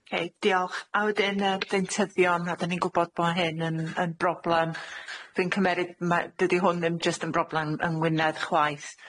Oce diolch a wedyn yy ddeintyddion a dyn ni'n gwbod bo' hyn yn yn broblam, dwi'n cymeryd ma' dydi hwn ddim jyst yn broblam yng Ngwynedd chwaith.